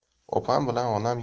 opam bilan onam